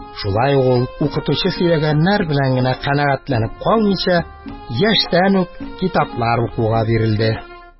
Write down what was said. Шулай ук ул, укытучы сөйләгәннәр белән генә канәгатьләнеп калмыйча, яшьтән үк китаплар укуга бирелде.